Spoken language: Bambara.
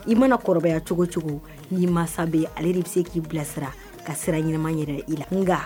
I mana kɔrɔbaya cogo cogo n'i ma bɛ ale de bɛ se k'i bilasira ka sira ɲɛnaman yɛrɛ i la n